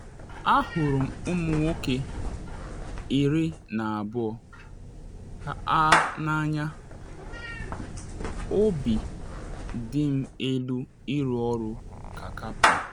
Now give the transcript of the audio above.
Ahụrụ m ụmụ nwoke 12 a n’anya, obi dị m elu ịrụ ọrụ ka kaptịn.